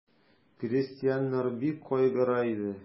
Крестьяннар бик кайгыра иде.